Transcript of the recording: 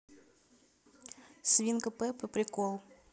свинка пеппа прикол